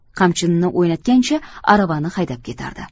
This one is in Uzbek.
qamchinini o'ynatgancha aravani haydab ketardi